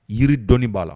Yiri dɔnnii b'a la